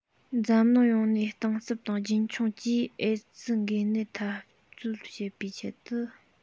འཛམ གླིང ཡོངས ནས གཏིང ཟབ དང རྒྱུན འཁྱོངས ཀྱིས ཨེ ཙི འགོས ནད འཐབ རྩོད བྱེད པའི ཆེད དུ